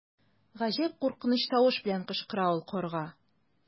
Гаҗәп куркыныч тавыш белән кычкыра ул карга.